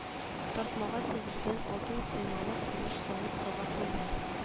Тартмага тезелгән алтын каймалы көмеш савыт-саба күренә